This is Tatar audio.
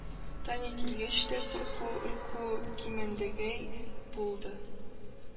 Таня килгәч кенә, курку-өркү кимегәндәй булды